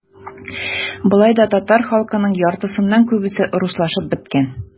Болай да татар халкының яртысыннан күбесе - руслашып беткән.